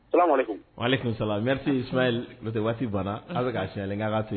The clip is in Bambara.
Salamou alehikoum . Wa alehikoum salam merci Ismaël n'o tɛ waati banna. Unhun! A bɛ k'an signaler n k'a to.